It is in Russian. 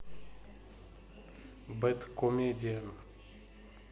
бэдкомедиан